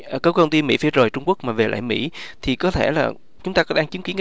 các công ty mỹ phía rời trung quốc mà về lại mỹ thì có thể là chúng ta đang chứng kiến